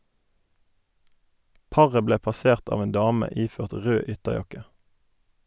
Paret ble passert av en dame iført rød ytterjakke.